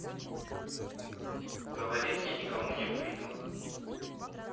говорить я никому не выйду